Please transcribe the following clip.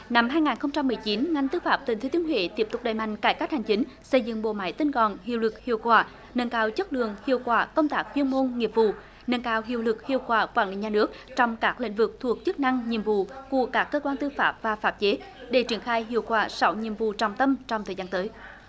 năm hai nghìn không trăm mười chín ngăn tư pháp tỉnh thừa thiên huế tiếp tục đẩy mạnh cải cách hành chính xây dựng bộ máy tinh gọn hiệu lực hiệu quả nâng cao chất lượng hiệu quả công tác chuyên môn nghiệp vụ nâng cao hiệu lực hiệu quả quản lý nhà nước trong các lĩnh vực thuộc chức năng nhiệm vụ của các cơ quan tư pháp và pháp chế để triển khai hiệu quả sáu nhiệm vụ trọng tâm trong thời gian tới